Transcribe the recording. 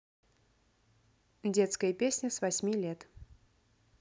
детская песня с восьми лет